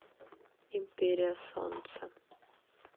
империя солнца